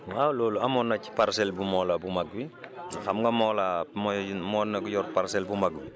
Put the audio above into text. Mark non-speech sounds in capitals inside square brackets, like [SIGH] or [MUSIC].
waaw loolu amoon na ci parcelle bu Mawla bu mag bi [CROSSTALK] xam nga Mawla mooy moo nekk yor parcelle bu mag bi